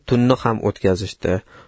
tunni ham o'tkazishdi